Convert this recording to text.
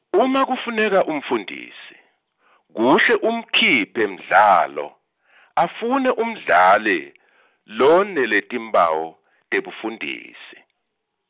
uma kufuneka umfundisi, kuhle umkhiphi mdlalo , afune umdlali , lonetimphawu tebufundisi.